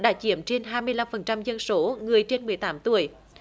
đã chiếm trên hai mươi lăm phần trăm dân số người trên mười tám tuổi